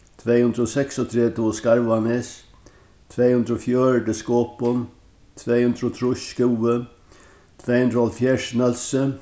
tvey hundrað og seksogtretivu skarvanes tvey hundrað og fjøruti skopun tvey hundrað og trýss skúvoy tvey hundrað og hálvfjerðs nólsoy